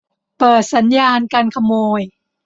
เปิดสัญญาณกันขโมย